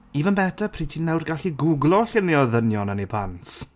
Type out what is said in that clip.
Even better pryd ti'n nawr gallu gŵglo lluniau o ddynion yn ei pants.